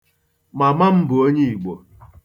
Mama m bụ onye Igbo